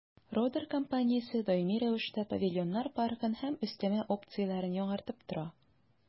«родер» компаниясе даими рәвештә павильоннар паркын һәм өстәмә опцияләрен яңартып тора.